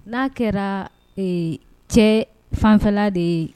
N'a kɛra cɛ fanfɛla de ye